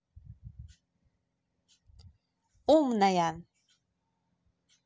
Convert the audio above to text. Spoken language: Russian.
умная